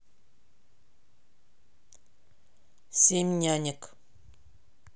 семь нянек